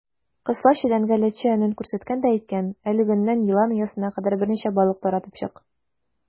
Кысла челәнгә ләтчә өнен күрсәткән дә әйткән: "Әлеге өннән елан оясына кадәр берничә балык таратып чык".